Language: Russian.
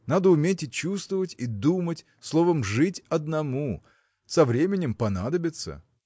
надо уметь и чувствовать и думать, словом жить одному со временем понадобится.